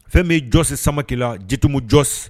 Fɛn m'i jɔsi sama kila jitumujɔsi